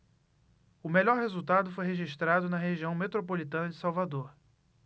o melhor resultado foi registrado na região metropolitana de salvador